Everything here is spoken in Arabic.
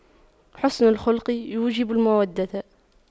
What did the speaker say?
حُسْنُ الخلق يوجب المودة